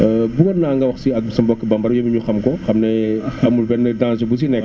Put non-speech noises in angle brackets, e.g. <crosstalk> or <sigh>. <hesitation> bëggoon naa nga wax si ak sa mbokki bambara yëpp ñu xam ko xam ne <hesitation> amul benn danger bu si nekk